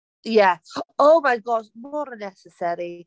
Yes, oh my god mor unnecessary.